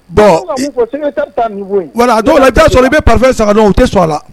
Bon i bɛka mun fɔ secrtaire ta nin, a dɔw la i bɛ t'a sɔrɔ i bɛ parfum san k'a di u ma , i tɛ sɔn a la.